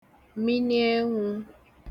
miniẹnwū